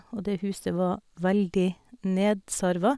Og det huset var veldig nedsarva.